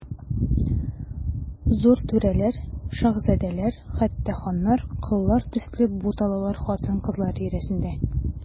Зур түрәләр, шаһзадәләр, хәтта ханнар, коллар төсле буталалар хатын-кызлар тирәсендә.